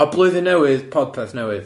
A blwyddyn newydd podpeth newydd.